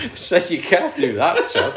said you can't do that John